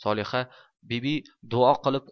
solihabibi duo qilib